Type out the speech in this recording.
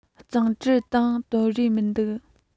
གཙང སྦྲར དང དོད རེད མི འདུག